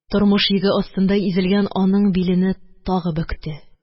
Тормыш йөге астында изелгән аның билене тагы бөкте